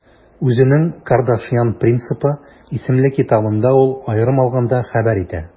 Үзенең «Кардашьян принципы» исемле китабында ул, аерым алганда, хәбәр итә: